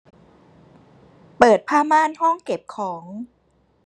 เปิดผ้าม่านห้องเก็บของ